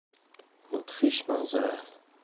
mudhish manzara